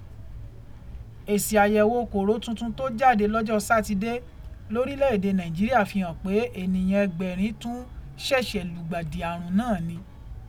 Èsì àyẹ̀wò Kòró tuntun tó jáde lọ́jọ́ sátidé lórílẹ̀ èdè Naìjíríà fi han pé ènìyàn ẹgbẹ̀rin tún ṣẹ̀ṣẹ̀ lùgbàdì ààrùn náà ni.